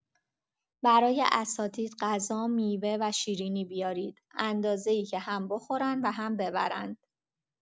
برای اساتید غذا، میوه و شیرینی بیارید، اندازه‌ای که هم بخورند و هم ببرند.